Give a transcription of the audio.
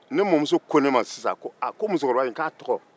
ne mamuso ko ne ko ne ma ko musokɔrɔba in tɔgɔ